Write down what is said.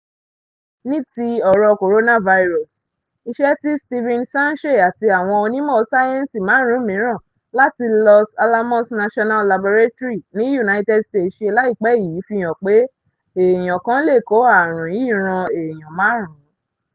Ní ti ọ̀rọ̀ coronavirus, iṣẹ́ tí Steven Sanche àti àwọn onímọ̀ sáyẹ́ńsì márùn-ún míràn láti Los Alamos National Laboratory ni United States ṣe láìpé yìí fi hàn pé eèyàn kan lè kó aàrùn yìí ran eèyan márùn-ún.